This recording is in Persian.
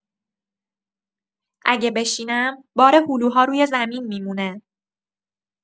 اگه بشینم، بار هلوها روی زمین می‌مونه.